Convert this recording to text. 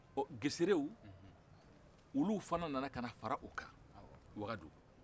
ɔ geserew olu fɛnɛ nana kana fara u kan wakaduu